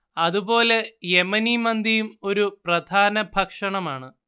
അത് പോലെ യെമനി മന്തിയും ഒരു പ്രധാന ഭക്ഷണമാണ്